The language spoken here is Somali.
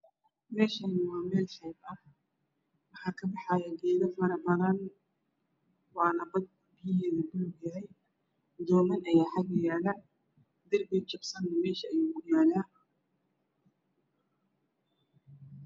Meeshaani waa meel xeeb ah waxaa ka baxaayo geedo faro badan waana bad biyahadeed buluug yahay doonam ayaa xaga yaalo darbi jabsan meesha ayuu ku yaala